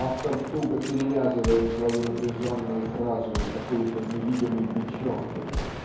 Автор туго перевязывает свою напряженную фразу какою-то невидимой бичевкой